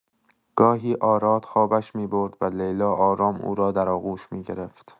گاهی آراد خوابش می‌برد و لیلا آرام او را در آغوش می‌گرفت.